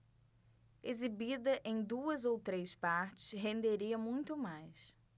exibida em duas ou três partes renderia muito mais